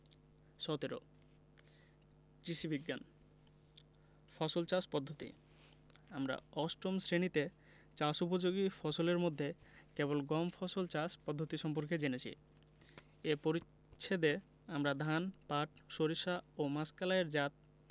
১৭ কৃষি বিজ্ঞান ফসল চাষ পদ্ধতি আমরা অষ্টম শ্রেণিতে চাষ উপযোগী ফসলের মধ্যে কেবল গম ফসল চাষ পদ্ধতি সম্পর্কে জেনেছি এ পরিচ্ছেদে আমরা ধান পাট সরিষা ও মাসকলাই এর জাত